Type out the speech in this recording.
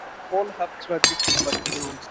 All have tragic backgrounds.